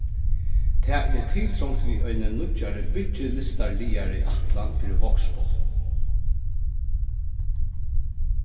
tað er tiltrongt við eini nýggjari byggilistarligari ætlan fyri vágsbotn